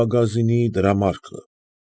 Մագազինի դրամարկղը։